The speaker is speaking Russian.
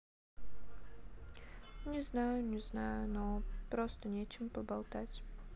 не знаю не знаю но просто нечем поболтать